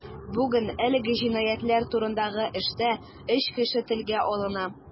Бүген әлеге җинаятьләр турындагы эштә өч кеше телгә алына.